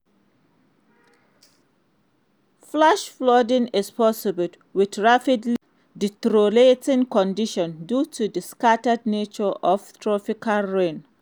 Flash flooding is possible with rapidly deteriorating conditions due to the scattered nature of tropical rain.